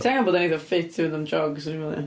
Ti angen bod yn eitha ffit i fynd am jog 'swn i'n meddwl, ia.